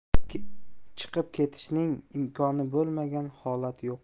chiqib ketishning imkoni bo'lmagan holat yo'q